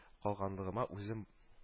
Калганлыгыма үзем